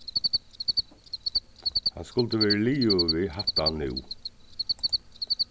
hann skuldi verið liðugur við hatta nú